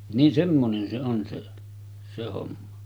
niin semmoinen se on se se homma